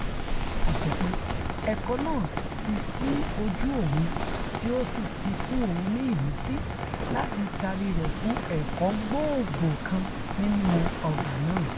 Ó sọ pé ẹ̀kọ́ náà ti sí ojú òun tí ó sì ti fún òun ní ìmísí láti taari rẹ̀ fún ẹ̀kọ́ gbogbòò kan nínú ọgbà náà.